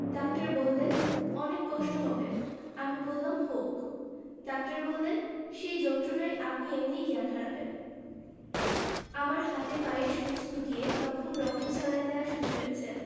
doctor বললেন অনেক কষ্ট হবে আমি বললাম হোক ডাক্তার বললেন সেই যন্ত্রণায় আপনি এমনি জ্ঞান হারাবেন আমার হাতে পায়ে সুচ ঢুকিয়ে তখন রক্ত স্যালাইন দেওয়া শুরু হয়েছে